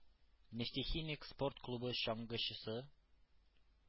«нефтехимик» спорт клубы чаңгычысы